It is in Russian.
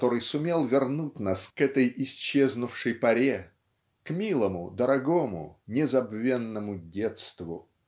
который сумел вернуть нас к этой исчезнувшей поре к "милому дорогому незабвенному детству"